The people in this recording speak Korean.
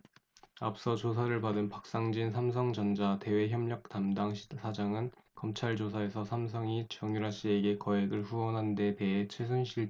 앞서 조사를 받은 박상진 삼성전자 대외협력담당 사장은 검찰조사에서 삼성이 정유라씨에게 거액을 후원한 데 대해 최순실씨 측 협박 때문이라고 진술한 것으로 알려졌다